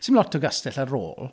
'Sdim lot o gastell ar ôl.